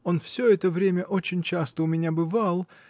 Он все это время очень часто у меня бывал